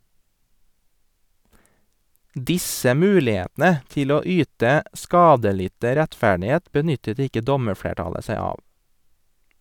Disse mulighetene til å yte skadelidte rettferdighet, benyttet ikke dommerflertallet seg av.